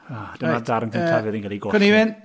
O, dyma darn cyntaf... Yy cawn ni'n mynd.